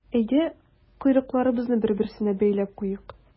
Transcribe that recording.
Әйдә, койрыкларыбызны бер-берсенә бәйләп куйыйк.